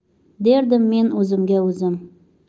derdim men o'zimga o'zim